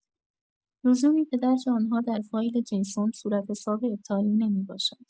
لزومی به درج آن‌ها در فایل جیسون صورتحساب ابطالی نمی‌باشد.